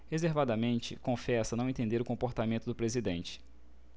reservadamente confessa não entender o comportamento do presidente